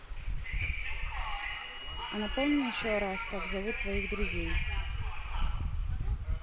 а напомни еще раз как зовут твоих друзей